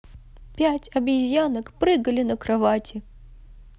пять обезьянок прыгали на кровати